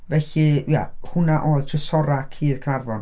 Felly ia, hwnna oedd 'Trysorau Cudd Caernarfon'.